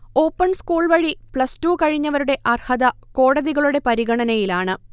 open സ്കൂൾവഴി plus two കഴിഞ്ഞവരുടെ അർഹത കോടതികളുടെ പരിഗണനയിലാണ്